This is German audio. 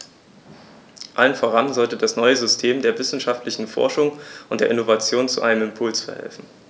Allem voran sollte das neue System der wissenschaftlichen Forschung und der Innovation zu einem Impuls verhelfen.